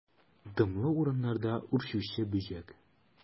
Дымлы урыннарда үрчүче бөҗәк.